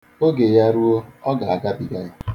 Oge ya ruo, ọ ga-agabiga ya.